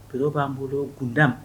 P b'an bolo kunda